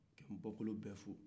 ka anbɔkolow bɛ fo